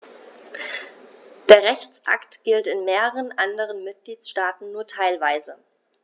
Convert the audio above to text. Der Rechtsakt gilt in mehreren anderen Mitgliedstaaten nur teilweise.